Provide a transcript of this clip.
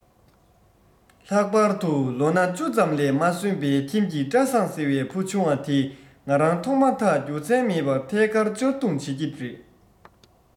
ལྷག པར དུ ལོ ན བཅུ ཙམ ལས མ སོན པའི ཁྱིམ གྱི བཀྲ བཟང ཟེར བའི བུ ཆུང བ དེས ང རང མཐོང མ ཐག རྒྱུ མཚན མེད པར ཐད ཀར གཅར རྡུང བྱེད ཀྱི རེད